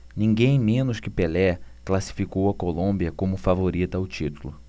ninguém menos que pelé classificou a colômbia como favorita ao título